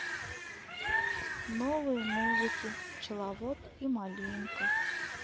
новые музыки пчеловод и малинка